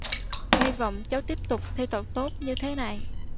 hy vọng cháu tiếp tục thi thật tốt như thế này